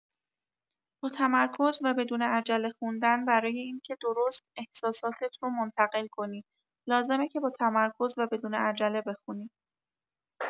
با تمرکز و بدون عجله خوندن برای اینکه درست احساساتت رو منتقل کنی، لازمه که با تمرکز و بدون عجله بخونی.